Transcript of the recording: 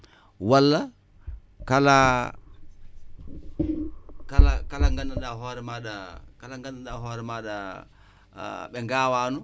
wala